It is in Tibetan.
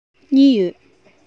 གཉིས ཡོད